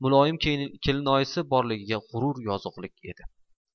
muloyim kelinoyisi borligiga g'urur yozug'lik edi